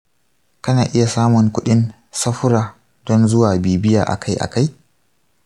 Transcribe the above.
kana iya samun kuɗin safura don zuwa bibiya akai-akai?